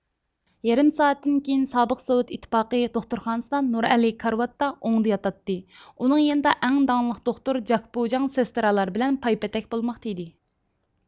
يېرىم سائەتتىن كېيىن سابىق سوۋېت ئىتتىپاقى دوختۇرخانىسىدا نۇرئەلى كارىۋاتتا ئوڭدا ياتاتتى ئۇنىڭ يېنىدا ئەڭ داڭلىق دوختۇر جاكبۇجاڭ سېستىرالار بىلەن پايپېتەك بولماقتا ئىدى